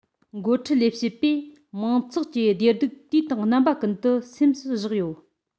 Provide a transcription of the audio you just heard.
འགོ ཁྲིད ལས བྱེད པས མང ཚོགས ཀྱི བདེ སྡུག དུས དང རྣམ པ ཀུན ཏུ སེམས སུ བཞག ཡོད